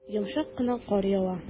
Йомшак кына кар ява.